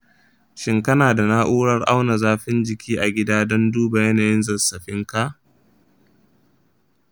shin kana da na’urar auna zafin jiki a gida don duba yanayin zazzafinka?